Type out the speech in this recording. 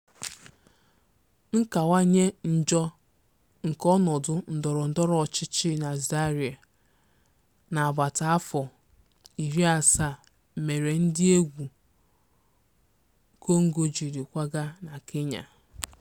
Nkawanye njọ nke ọnọdụ ndọrọ ndọrọ ọchịchị na Zaire n'agbata afọ 70 mere ndị egwu Congo jiri kwagaa na Kenya.